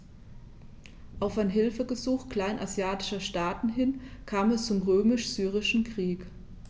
Auf ein Hilfegesuch kleinasiatischer Staaten hin kam es zum Römisch-Syrischen Krieg.